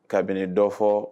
Kabini dɔ fɔ